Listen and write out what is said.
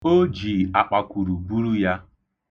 O ji akpakwuru buru ya.